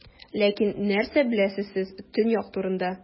Ләкин нәрсә беләсез сез Төньяк турында?